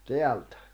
täältä